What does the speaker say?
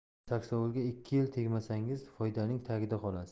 saksovulga ikki yil tegmasangiz foydaning tagida qolasiz